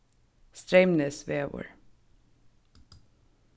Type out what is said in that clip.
streymnesvegur